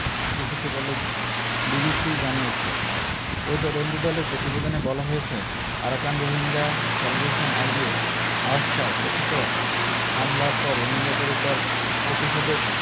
এসেছে বলে বিবিসি জানিয়েছে ওই তদন্তদলের প্রতিবেদনে বলা হয়েছে আরাকান রোহিঙ্গা স্যালভেশন আর্মির আরসা কথিত হামলার পর রোহিঙ্গাদের ওপর প্রতিশোধ